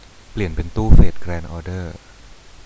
เปลี่ยนเป็นตู้เฟทแกรนด์ออเดอร์